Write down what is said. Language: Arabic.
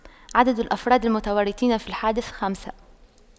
عدد الأفراد المتورطين في الحادث خمسة